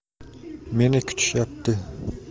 meni kutishayapti